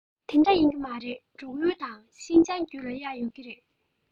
དེ འདྲ ཡིན གྱི མ རེད འབྲུག ཡུལ དང ཤིན ཅང རྒྱུད ལ ཡང གཡག ཡོད རེད